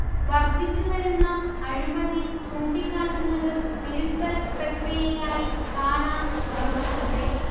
വർധിച്ചുവരുന്ന അഴിമതി ചൂണ്ടിക്കാട്ടുന്നത് തിരുത്തൽ പ്രക്രിയയായി കാണാൻശ്രമിച്ചു കൂടേ